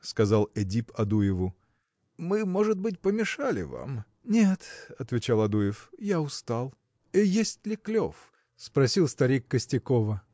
– сказал Эдип Адуеву, – мы, может быть, помешали вам?. – Нет! – отвечал Адуев. – Я устал. – Есть ли клев? – спросил старик Костякова.